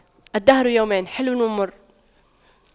الدهر يومان حلو ومر